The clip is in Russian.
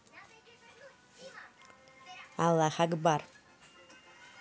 аллах акбар